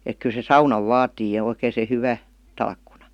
että kyllä se saunan vaatii ja oikein se hyvä talkkuna